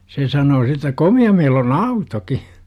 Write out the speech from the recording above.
se sanoi - että komea meillä on autokin